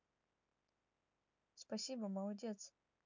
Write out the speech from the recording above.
спасибо молодец